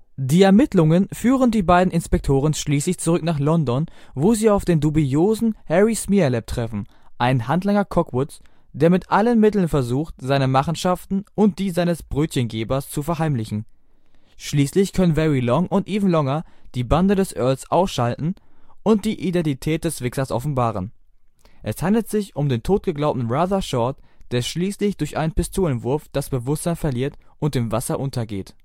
Die Ermittlungen führen die beiden Inspektoren schließlich zurück nach London, wo sie auf den dubiosen Harry Smeerlap treffen, einen Handlanger Cockwoods, der mit allen Mitteln versucht, seine Machenschaften und die seines Brötchengebers zu verheimlichen. Schließlich können Very Long und Even Longer die Bande des Earls ausschalten und die Identität des Wixxers offenbaren: Es handelt sich um den totgeglaubten Rather Short, der schließlich durch einen Pistolenwurf das Bewusstsein verliert und im Wasser untergeht